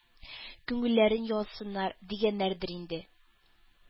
Күңелләрен юатсыннар, дигәннәрдер инде.